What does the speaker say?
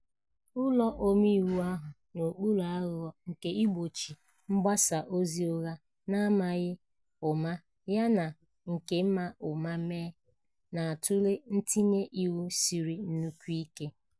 Ụlọ omeiwu ahụ, n'okpuru aghụghọ nke igbochi mgbasa ozi ụgha n'amaghị ụma yana nke a ma ụma mee, na-atụle ntinye iwu siri nnukwu ike.